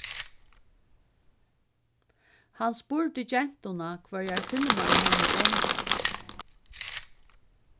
hann spurdi gentuna hvørjar filmar henni dámdi